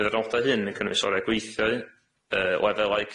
Bydde'r nodau hyn yn cynnwys oriau gweithiau yy lefelau